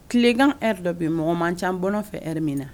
Tilekan yɛrɛ dɔ bɛ mɔgɔman caman n bɔn fɛ e min na